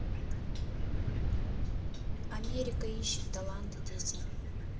америка ищет таланты дети